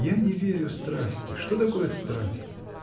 Я не верю страсти — что такое страсть?